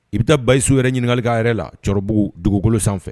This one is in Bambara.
I bi taa bayisu yɛrɛ ɲininkali ka yɛrɛ la cɔribugu dugukolo sanfɛ.